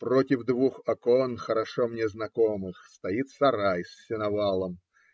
Против двух окон, хорошо мне знакомых, стоит сарай с сеновалом